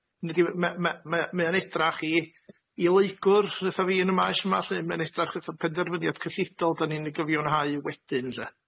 Nid yw... ma' ma' mae o- mae o'n edrach i i leygwr fatha fi yn y maes yma lly, mae'n edrach fatha penderfyniad cyllidol 'dan ni'n ei gyfiawnhau wedyn lly.